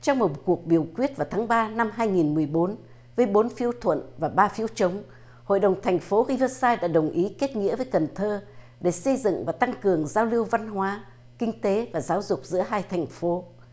trong một cuộc biểu quyết vào tháng ba năm hai nghìn mười bốn với bốn phiếu thuận và ba phiếu trống hội đồng thành phố khi pi tơ sai đã đồng ý kết nghĩa với cần thơ để xây dựng và tăng cường giao lưu văn hóa kinh tế và giáo dục giữa hai thành phố